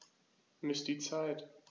Miss die Zeit.